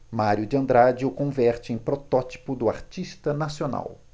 mário de andrade o converte em protótipo do artista nacional